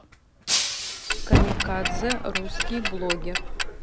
камикадзе русский блогер